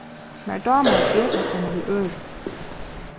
mær dámar at eta saman við øðrum